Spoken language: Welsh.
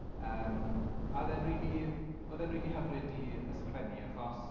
yym a oedd e'n rili oedd e'n rili hyfryd i ysgrifennu, achos...